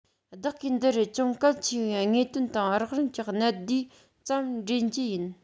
བདག གིས འདི རུ ཅུང གལ ཆེ བའི དངོས དོན དང རགས རིམ གྱི གནད བསྡུས ཙམ འདྲེན རྒྱུ ཡིན